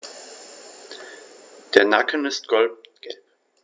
Der Nacken ist goldgelb.